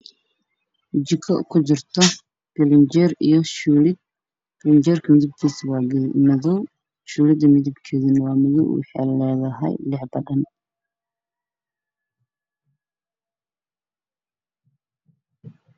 Jiko ku jirto filinjiyeer iyo shuuli filinjiyeerka midabkeedu waa madow shuuliga midabkiisu waa madow waxayna leedahay lix dagan